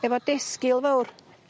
efo desgul fowr